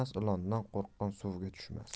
ilondan qo'rqqan suvga tushmas